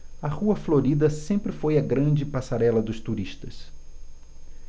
a rua florida sempre foi a grande passarela dos turistas